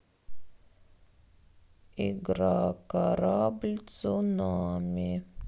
игра корабль цунами